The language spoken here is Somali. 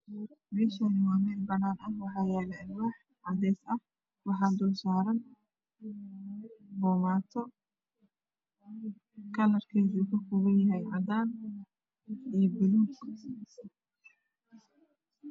Meeshaan waa meel banaan ah waxaa yaalo alwaax cadeys ah waxaa dulsaaran boomaato kalarkeedu uu ka kooban yahay cadaan iyo buluug.